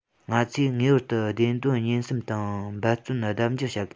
ང ཚོས ངེས པར དུ བདེ སྡོད ཉེན བསམ དང འབད བརྩོན ལྡབ འགྱུར བྱ དགོས